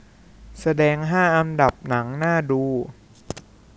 แสดงห้าอันดับหนังน่าดู